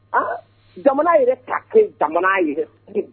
Aa bamanan yɛrɛ'a kɛ jamana yɛrɛ